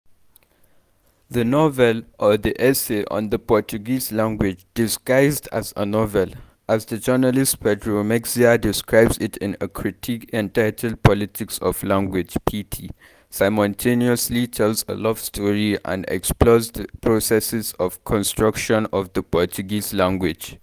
The novel – or the “essay on the Portuguese language disguised as a novel”, as the journalist Pedro Mexia describes it in a critique entitled Politics of Language [pt] – simultaneously tells a love story and explores the processes of construction of the Portuguese language.